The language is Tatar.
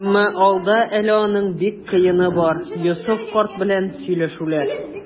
Әмма алда әле аның бик кыены бар - Йосыф карт белән сөйләшүләр.